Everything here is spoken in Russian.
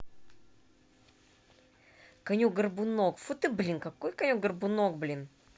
конек горбунок фу ты блин какой конек горбунок блин